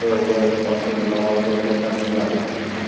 viloyati hokimi lavozimiga tasdiqlandi